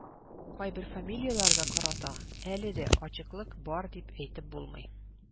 Кайбер фамилияләргә карата әле дә ачыклык бар дип әйтеп булмый.